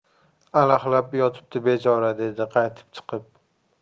alahlab yotibdi bechora dedi qaytib chiqib